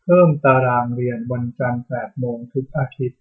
เพิ่มตารางเรียนวันจันทร์แปดโมงทุกอาทิตย์